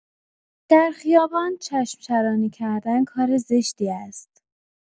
در خیابان چشم‌چرانی کردن کار زشتی است.